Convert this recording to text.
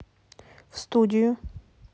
в студию